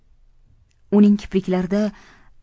uning kipriklarida